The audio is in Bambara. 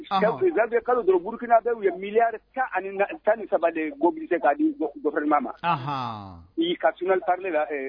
Cɛyi kalo don burukinana bɛ ye miiriyari ani tan ni saba debilise k kaa difrinma ma i ka sun tan la